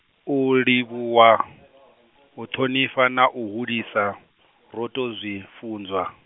u livhuwa , u ṱhonifha, na u hulisa ro tou zwi funzwa.